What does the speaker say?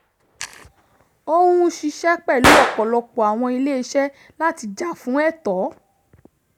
Ò ń ṣiṣẹ́ pẹ̀lú ọ̀pọ̀lọpọ̀ àwọn ilé-iṣẹ́ láti jà fún ẹ̀tọ́.